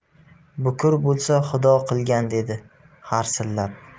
bukur bo'lsa xudo qilgan dedi harsillab